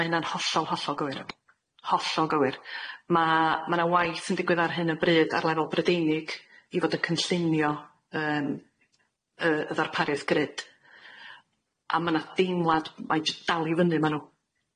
Ma' hynna'n hollol hollol gywir, hollol gywir ma' ma' na waith yn digwydd ar hyn o bryd ar lefel Brydeinig i fod yn cynllunio yym yy y ddarpariaeth grid. A ma' na deimlad mae jyst dal i fyny ma' nw.